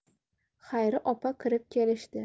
xayri opa kirib kelishdi